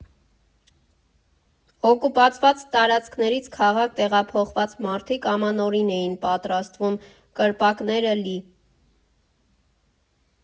Օկուպացված տարածքներից քաղաք տեղափոխված մարդիկ Ամանորին էին պատրաստվում, կրպակները՝ լի։